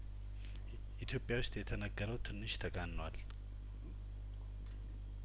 ኢትዮጵያ ውስጥ የተነገረው ትንሽ ተጋኗል